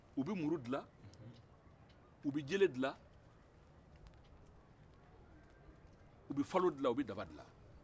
u bɛ muru dilan u bɛ jele dilan u bɛ falo dilan u bɛ daba dilan